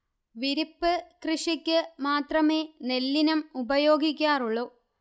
വിരിപ്പ് കൃഷിക്ക് മാത്രമേ നെല്ലിനം ഉപയോഗിക്കാറുള്ളൂ